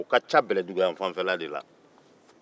o ka ca bɛlɛduguyanfan de la